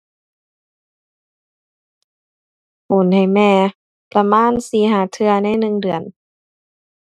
โอนให้แม่ ประมาณสี่ห้าเทื่อในหนึ่งเดือน